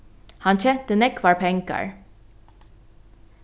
hann tjenti nógvar pengar